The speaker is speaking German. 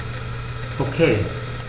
Okay.